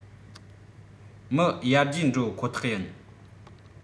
མི ཡར རྒྱས འགྲོ ཁོ ཐག ཡིན